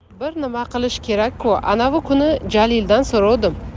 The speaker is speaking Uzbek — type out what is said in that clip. bir nima qilish kerak ku anavi kuni jalildan so'rovdim